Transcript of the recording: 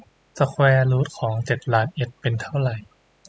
สแควร์รูทของเจ็ดล้านเอ็ดเป็นเท่าไหร่